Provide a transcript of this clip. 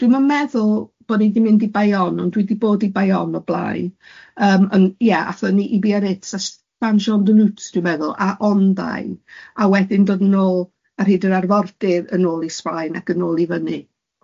Dwi'm yn meddwl bo' ni di mynd i Bayonne, ond dwi di bod i Bayonne o blaen yym yn ie aethon ni i Biarritz a S- Banjon de Noutes dwi'n meddwl a Ondain, a wedyn dod yn ôl ar hyd yr arfordir yn ôl i Sbaen ac yn ôl i fyny.